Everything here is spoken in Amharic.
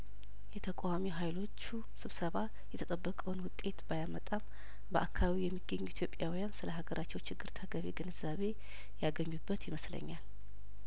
የተቃዋሚ ሀይሎቹ ሰብ ሰባ የተጠበቀውን ውጤት ባያመጣም በአካባቢው የሚገኙ ኢትዮጵያውያን ስለሀገራቸው ችግር ተገቢ ግንዛቤ ያገኙበት ይመስለኛል